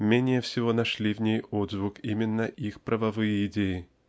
менее всего нашли в ней отзвук именно их правовые идеи.